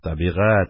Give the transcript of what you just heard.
Табигать,